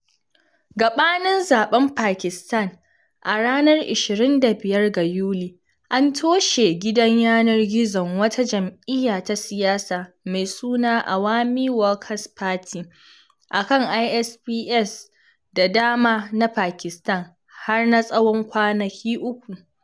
Gabanin zaɓen Pakistan a ranar 25 ga Yuli, an toshe gidan yanar gizon wata jam'iyya ta siyasa mai suna Awami Workers Party a kan ISPs da dama na Pakistan har na tsawon kwanaki uku.